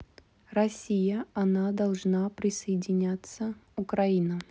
россия она должна присоединяться украина